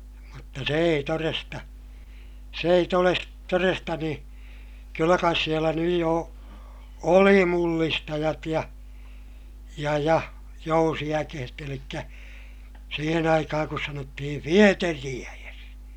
mutta se ei todesta se ei - todesta niin kyllä kai siellä nyt jo oli mullistajat ja ja ja jousiäkeet eli siihen aikaan kun sanottiin vieteriäes